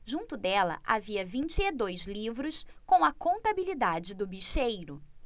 junto dela havia vinte e dois livros com a contabilidade do bicheiro